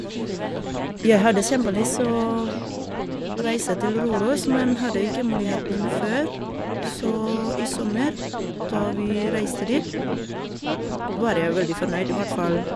Jeg hadde kjempelyst å reise til Røros, men hadde ikke muligheten før, så i sommer, da vi reiste dit, var jeg veldig fornøyd, hvert fall.